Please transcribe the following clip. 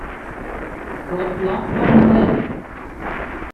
ปลดล็อกห้องนั่งเล่น